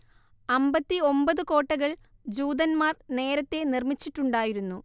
അമ്പത്തി ഒമ്പത് കോട്ടകൾ ജൂതന്മാർ നേരത്തെ നിർമ്മിച്ചിട്ടുണ്ടായിരുന്നു